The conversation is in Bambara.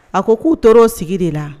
A ko k'u tɔɔrɔ sigi de la